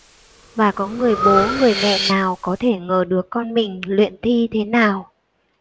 và có người bố người mẹ nào có thể ngờ được con mình luyện thi thế nào